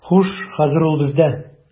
Хуш, хәзер ул бездә.